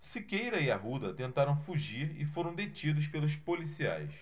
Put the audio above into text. siqueira e arruda tentaram fugir e foram detidos pelos policiais